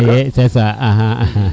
oui c' est ca axa axa